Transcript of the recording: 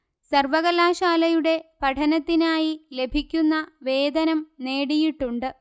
സർവകലാശാലയുടെ പഠനത്തിനായി ലഭിക്കുന്ന വേതനം നേടിയിട്ടുണ്ട്